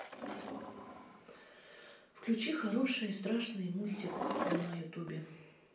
включи хороший страшный мультик на ютубе